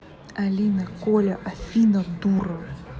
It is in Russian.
алина коля афина дура